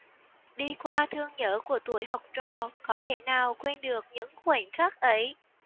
đi qua thương nhớ của tuổi học trò có thể nào quên được những khoảng khắc ấy